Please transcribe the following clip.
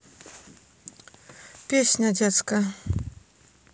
песня детская